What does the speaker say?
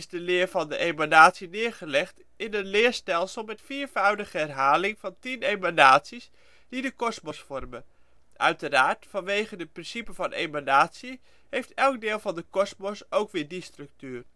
de leer van de emanatie neergelegd in een leerstelsel met een viervoudige herhaling van tien emanaties die de Kosmos vormen. Uiteraard, vanwege het principe van emanatie, heeft elk deel van de kosmos ook weer die structuur